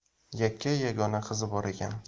yakkayu yagona qizi bor ekan